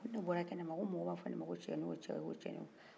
ko ni ne bɔra kɛnɛma ko mɔgɔw b'a fɔ ne ma ko cɛnin o cɛ o cɛnin o